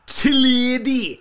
Teledu!